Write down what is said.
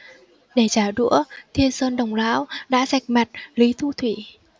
để trả đũa thiên sơn đồng lão đã rạch mặt lý thu thủy